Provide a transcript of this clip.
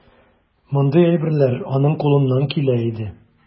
Мондый әйберләр аның кулыннан килә иде.